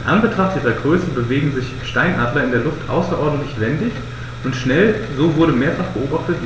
In Anbetracht ihrer Größe bewegen sich Steinadler in der Luft außerordentlich wendig und schnell, so wurde mehrfach beobachtet,